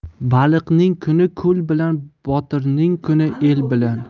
baliqning kuni ko'l bilan botirning kuni el bilan